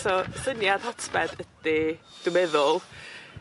So syniad hotbed ydi dwi meddwl